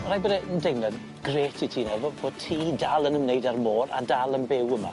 Ma' raid bod e yn deimlad grêt i ti meddwl bo' ti dal yn ymwneud â'r môr a dal yn byw yma.